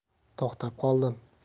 to'xtab qoldim